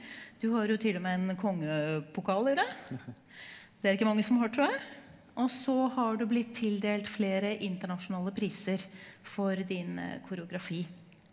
du har jo t.o.m. en kongepokal i det, det er ikke mange som har tror jeg, og så har du blitt tildelt flere internasjonale priser for din koreografi.